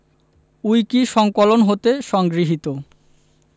উইকিসংকলন হতে সংগৃহীত